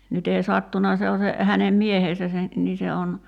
nyt ei sattunut se on se hänen miehensä se niin se on